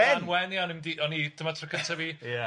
Branwen. Ia o'n i'n mynd i o'n i dyma tro gynta' i fi... Ia.